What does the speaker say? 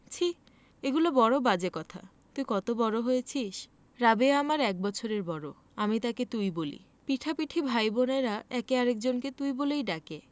ছিঃ এগুলি বড় বাজে কথা তুই কত বড় হয়েছিস রাবেয়া আমার এক বৎসরের বড় আমি তাকে তুই বলি পিঠাপিঠি ভাইবোনের একে আরেক জনকে তুই বলেই ডাকে